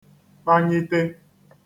kpanyi(te)